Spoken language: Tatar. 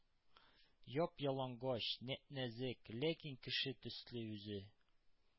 Яп-ялангач, нәп-нәзек, ләкин кеше төсле үзе;